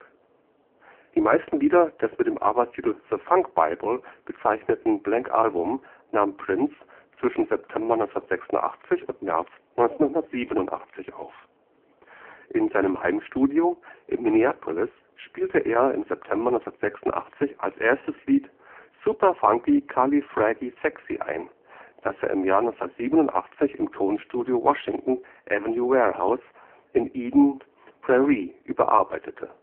Die meisten Lieder des mit dem Arbeitstitel The Funk Bible bezeichneten Black Album nahm Prince zwischen September 1986 und März 1987 auf. In seinem Heimstudio in Minneapolis spielte er im September 1986 als erstes Lied Superfunkycalifragisexy ein, das er im Januar 1987 im Tonstudio Washington Avenue Warehouse in Eden Prairie überarbeitete